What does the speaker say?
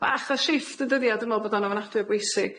bach o shifft yn dydi a dwi'n me'wl bod o'n ofnadwy o bwysig.